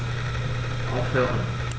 Aufhören.